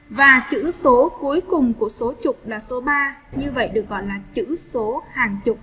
và chữ số cuối cùng của số chục là số ba như vậy được gọi là chữ số hàng chục